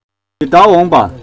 ཇི ལྟར འོངས པ